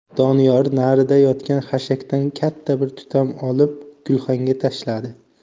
doniyor narida yotgan xashakdan katta bir tutam olib gulxanga tashladi